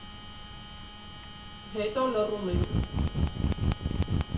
Հետո լռում ենք։